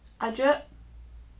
adjø